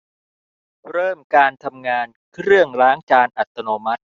เริ่มการทำงานเครื่องล้างจานอัตโนมัติ